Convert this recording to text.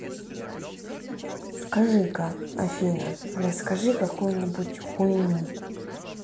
скажи ка афина расскажи какую нибудь хуйню